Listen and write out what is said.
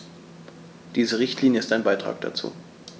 Diese Richtlinie ist ein Beitrag dazu.